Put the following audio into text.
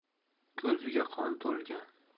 ko'ziga qon to'lgan